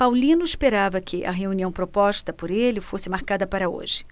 paulino esperava que a reunião proposta por ele fosse marcada para hoje